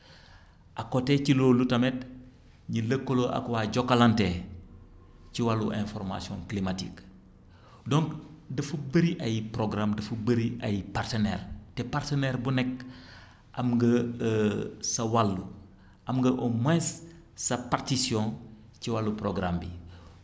à côté ci loolu tamit ñu lëkkaloo ak waa Jokalante ci wàllu information clmimatique donc dafa bëri ay programmes dafa bëri ay ay partenaires te partenaire bu nekk am nga sa wàll am nga au moins sa partition ci wàllu programme bi